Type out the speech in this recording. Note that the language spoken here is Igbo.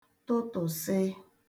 tụtụ̀sị